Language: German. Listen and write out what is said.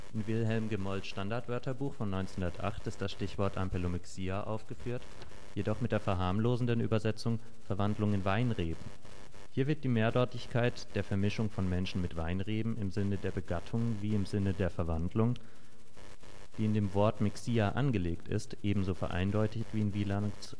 Wilhelm Gemolls Standardwörterbuch von 1908 ist das Stichwort ampelomixia aufgeführt, jedoch mit der verharmlosenden Übersetzung „ Verwandlung in Weinreben “. Hier wird die Mehrdeutigkeit der " Vermischung von Menschen mit Weinreben " (im Sinne der Begattung wie im Sinne der Verwandlung), die in dem Wort - Vorlage:Polytonisch (- mixia) angelegt ist, ebenso vereindeutigt wie in Wielands